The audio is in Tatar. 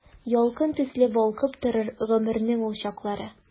Ялкын төсле балкып торыр гомернең ул чаклары.